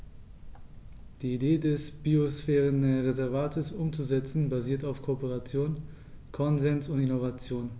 Die Idee des Biosphärenreservates umzusetzen, basiert auf Kooperation, Konsens und Innovation.